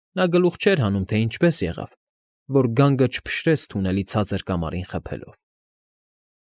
Նա գլուխ չէր հանում, թե ինչպես եղավ, որ գանգը չփշրեց թունելի ցածր կամարին խփելով։